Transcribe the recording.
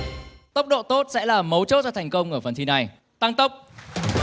tốc độ tốt sẽ là mấu chốt cho thành công ở phần thi này tăng tốc